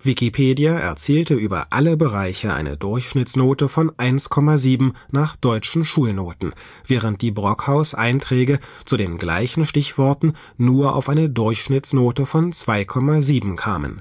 Wikipedia erzielte über alle Bereiche eine Durchschnittsnote von 1,7 nach deutschen Schulnoten, während die Brockhaus-Einträge zu den gleichen Stichworten nur auf eine Durchschnittsnote von 2,7 kamen.